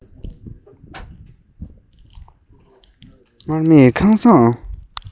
སྔར མེད ཁང བཟང